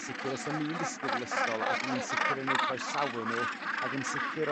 yn sicr os o'n i'n ddisgybl ysgol a dwi'n sicr yn eu croesau nhw ac yn sicr